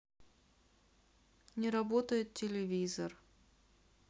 не работает телевизор